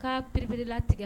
Ka pripirilatigɛ